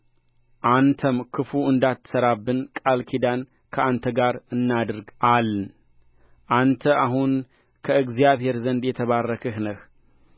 አንተም ክፉ እንዳትሠራብን ቃል ኪዳን ከአንተ ጋር እናድርግ አልን አንተ አሁን ከእግዚአብሔር ዘንድ የተባረክህ ነህ